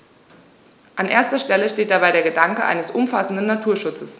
An erster Stelle steht dabei der Gedanke eines umfassenden Naturschutzes.